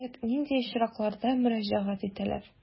Күбрәк нинди очракларда мөрәҗәгать итәләр?